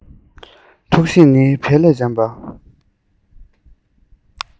ཐུགས གཤིས ནི བལ ལས འཇམ པ